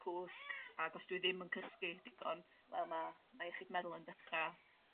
cwsg ag os dwi ddim yn cysgu digon fel ma' ma' iechyd meddwl yn dechra